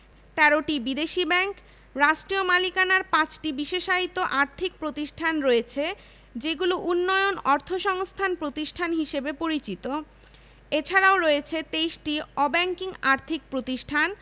১৬দশমিক ৪ কোটি টাকা বাংলাদেশ সমবায় ব্যাংক সকল ধরনের সমবায় প্রতিষ্ঠানের শীর্ষ সমন্বয়কারী ও নিয়ন্ত্রণ সংস্থা এছাড়াও প্রায় ১ হাজার ২০০ এনজিও